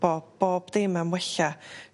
bo' bob dim am wella